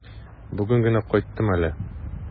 Бүген генә кайттым әле.